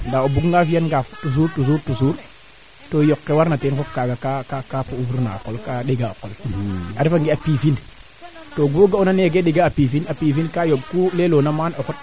merci Djiby question neene sax war'u refo theme ole xaye parce que a jega solo trop o ndeeta ngaan kee waral na kaa may o leya nga no reunion ka leya ye wiin we a ngupato yo laŋ ke doole